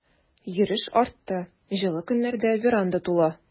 Йөреш артты, җылы көннәрдә веранда тулы.